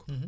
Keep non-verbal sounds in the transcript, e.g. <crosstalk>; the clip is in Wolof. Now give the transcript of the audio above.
<hesitation> <hesitation>